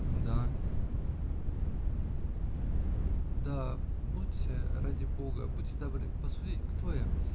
-- Ну да; да будьте, ради бога, будьте добры. Посудите, кто я!